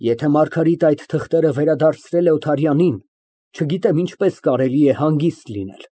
Եթե Մարգարիտն այդ թղթերը վերադարձրել է Օթարյանին, չգիտեմ ինչպես կարելի է հանգիստ լինել։